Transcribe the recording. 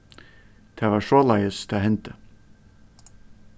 tað var soleiðis tað hendi